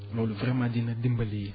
loolu vraiment dina dimbali